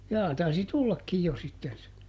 jaa taisi tullakin jo sitten se